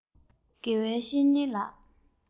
དགེ བའི བཤེས གཉེན ལགས